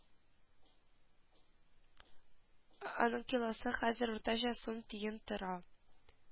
Аның килосы хәзер уртача сум тиен тора